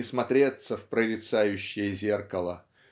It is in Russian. не смотреться в прорицающее зеркало